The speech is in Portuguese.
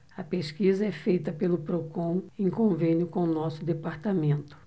a pesquisa é feita pelo procon em convênio com o diese